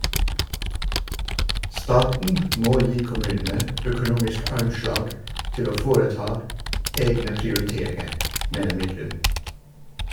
Staten må gi kommunene økonomisk armslag til å foreta egne prioriteringer, mener Midtlyng.